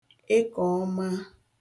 ekè ọma